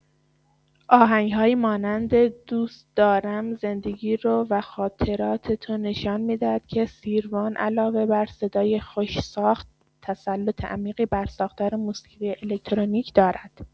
آهنگ‌هایی مانند دوست دارم زندگی‌رو و خاطرات تو نشان می‌دهد که سیروان علاوه بر صدای خوش‌ساخت، تسلط عمیقی بر ساختار موسیقی الکترونیک دارد.